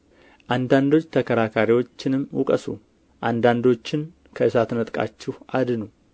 አንዳንዶች ተከራካሪዎችንም ውቀሱ አንዳንዶችንም ከእሳት ነጥቃችሁ አድኑ